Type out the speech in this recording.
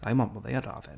I want what they're having.